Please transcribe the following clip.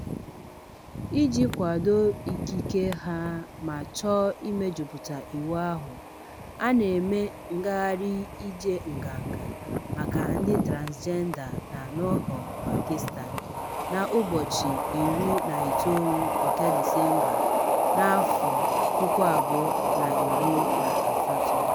Iji kwado ikike ha ma chọọ mmejupụta iwu ahụ, a na-eme Ngagharị Ije Nganga Maka Ndị Transịjenda na Lahore, Pakistan n'ụbọchị 29 nke Dịsemba 2018.